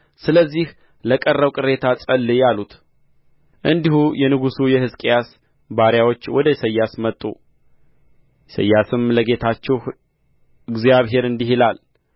ስለዚህ ለቀረው ቅሬታ ጸልይ አሉት እንዲሁ የንጉሡ የሕዝቅያስ ባሪያዎች ወደ ኢሳይያስ መጡ ኢሳይያስም ለጌታችሁ እግዚአብሔር እንዲህ ይላል